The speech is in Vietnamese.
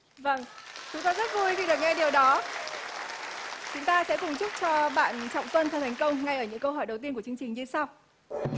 vầng chúng tôi rất vui khi được nghe điều đó chúng ta sẽ cùng chúc cho bạn trọng tuân thật thành công ngay ở những câu hỏi đầu tiên của chương trình như sau